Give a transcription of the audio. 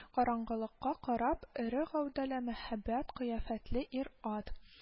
Караңгылыкка карап, эре гәүдәле, мәһабәт кыяфәтле ир-ат